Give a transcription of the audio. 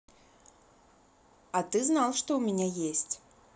а ты знал что у меня есть